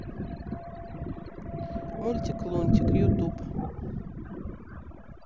мультик лунтик ютуб